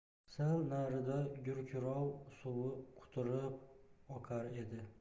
sal narida gurkurov suvi quturib oqar edi